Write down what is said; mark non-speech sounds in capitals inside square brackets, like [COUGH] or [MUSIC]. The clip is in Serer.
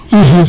[HESITATION] [HESITATION]